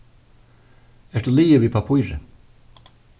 ert tú liðug við pappírið